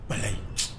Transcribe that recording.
Walahi.